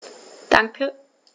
Danke.